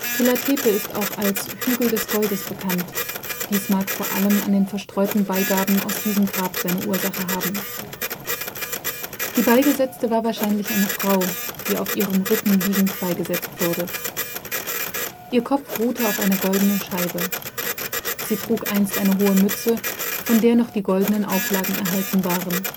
Tilla Tepe ist auch als Hügel des Goldes bekannt, dies mag vor allem an den verstreuten Beigaben aus diesem Grab seine Ursache haben. Die Beigesetzte war wahrscheinlich eine Frau, die auf ihren Rücken liegend beigesetzt wurde. Ihr Kopf ruhte auf einer goldenen Scheibe. Sie trug einst eine hohe Mütze, von der noch die goldenen Auflagen erhalten waren